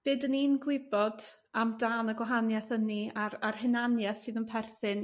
Be dan ni'n gwybod am dan y gwahanieth 'ynni a'r a'r hunanieth sydd yn perthyn